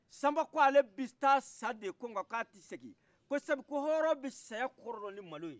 sanba k' ale bi taa sa de ko nka k' a ti sengi ko sabu hɔnrɔn bɛ saya kɔrɔdɔn ni maloye